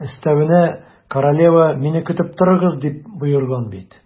Өстәвенә, королева: «Мине көтеп торыгыз», - дип боерган бит.